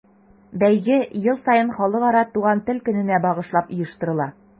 Бәйге ел саен Халыкара туган тел көненә багышлап оештырыла.